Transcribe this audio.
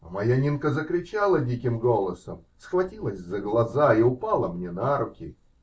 А моя Нинка закричала диким голосом, схватилась за глаза и упала мне на руки.